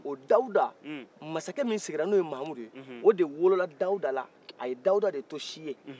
o daouda masakɛ min sigira nin o ye mamudu ye o de wolola dawuda la a y'o de to siye